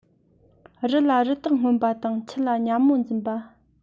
རི ལ རི དྭགས རྔོན པ དང ཆུ ལ ཉ མོ འཛིན པ